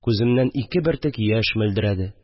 Күземнән ике бөртек яшь мөлдерәде